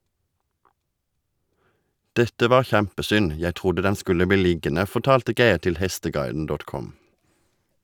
Dette var kjempesynd, jeg trodde den skulle bli liggende, fortalte Geir til hesteguiden.com.